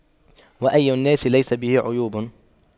وأي الناس ليس به عيوب